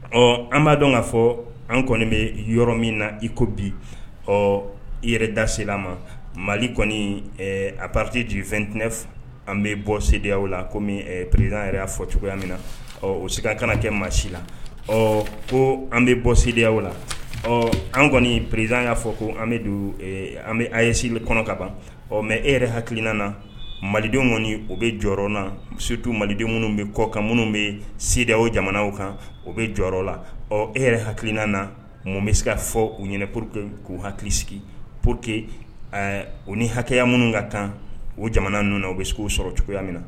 Ɔ an b'a dɔn k kaa fɔ an kɔni bɛ yɔrɔ min na iko bi ɔ i yɛrɛ da se ma mali kɔni a pate defɛntinɛ an bɛ bɔ sew la kɔmi perez yɛrɛ' fɔ cogoyaya min na ɔ o sigi an kana kɛ ma si la ɔ ko an bɛ bɔ se la ɔ an kɔni perezdan y'a fɔ ko an an bɛ a ye seli kɔnɔ ka ban ɔ mɛ e yɛrɛ hakilikinan na malidenw kɔni u bɛ jɔyɔrɔ na setu malidenw minnu bɛ kɔ ka minnu bɛ se o jamanaw kan o bɛ jɔyɔrɔ la ɔ e yɛrɛ hakilikinan na mun bɛ se ka fɔ u ɲɛna pur que k'u hakili sigi po que u ni hakɛya minnu ka tan o jamana ninnu u bɛ se'o sɔrɔ cogoyaya min na